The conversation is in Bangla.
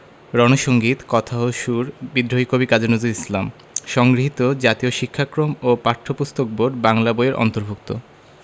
রন সঙ্গীত কথা ও সুর বিদ্রোহী কবি কাজী নজরুল ইসলাম সংগৃহীত জাতীয় শিক্ষাক্রম ও পাঠ্যপুস্তক বোর্ড বাংলা বই এর অন্তর্ভুক্ত